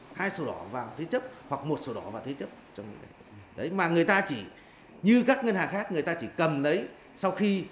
hai sổ đỏ vào thế chấp hoặc một sổ đỏ vào thế chấp cho người đấy đấy mà người ta chỉ như các ngân hàng khác người ta chỉ cầm lấy sau khi